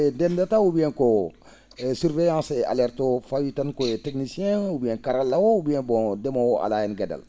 ?e dentata ou bien ko surveillance et alerte oo fawii tan koye technicien ou bien karalla oo ou bien bon ndemoowo oo alaa heen ge?al